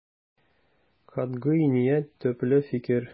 Катгый ният, төпле фикер.